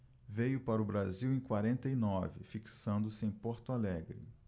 veio para o brasil em quarenta e nove fixando-se em porto alegre